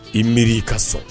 I miiri i ka sɔn